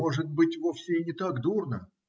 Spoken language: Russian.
Может быть, вовсе и не так дурно.